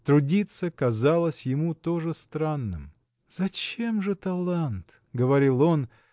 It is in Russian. Трудиться казалось ему тоже странным. Зачем же талант? – говорил он.